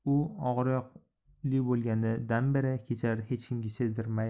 u og'iroyoqli bo'lganidan beri kechalari hech kimga sezdirmay